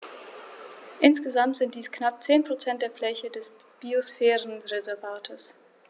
Insgesamt sind dies knapp 10 % der Fläche des Biosphärenreservates.